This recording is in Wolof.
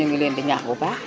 ñu ngi leen di ñaax bu baax